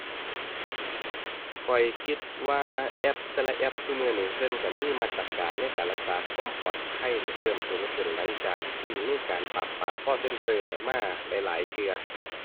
ข้อยคิดว่าแอปแต่ละแอปซุมื้อนี้ เพิ่นก็มีมาตรการในการรักษาความปลอดภัยเนี่ย เพิ่มสูงขึ้น หลังจากที่มีการปราบปราม call center มาหลายหลายเทื่อ